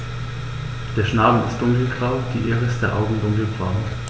Der Schnabel ist dunkelgrau, die Iris der Augen dunkelbraun.